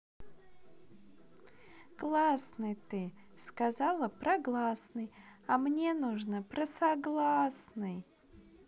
классный ты сказала про гласный а мне нужно про согласной